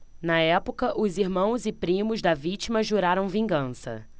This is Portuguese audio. na época os irmãos e primos da vítima juraram vingança